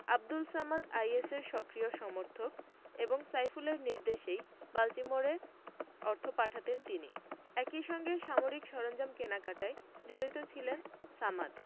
আবদুল সামাদ আইএসের সক্রিয় সমর্থক এবং সাইফুলের নির্দেশেই বাল্টিমোরে অর্থ পাঠাতেন তিনি একই সঙ্গে সামরিক সরঞ্জাম কেনাকাটায় জড়িত ছিলেন সামাদ